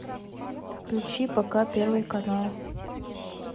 включи пока первый канал